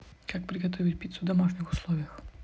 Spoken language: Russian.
как приготовить пиццу в домашних условиях